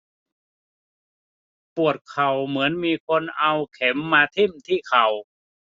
ปวดเข่าเหมือนมีคนเอาเข็มมาทิ่มที่เข่า